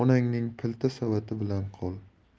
onangning pilta savati bilan qol